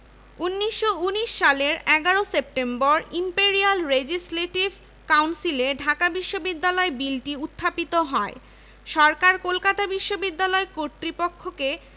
বিশ্ববিদ্যালয়ের প্রকল্প চূড়ান্ত করার পূর্বে জনমত যাচাইয়ের ব্যবস্থা নেওয়া হয় ঐ বৎসরই ডিসেম্বর মাসে পররাষ্ট্র মন্ত্রী কর্তৃক প্রকল্পটি অনুমোদিত হয়